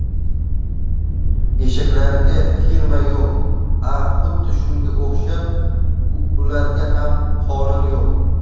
eshaklarga ferma yo'q a xuddi shunga o'xshab ularga ham qonun yo'q